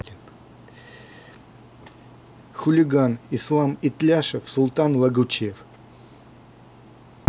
хулиган ислам итляшев султан лагучев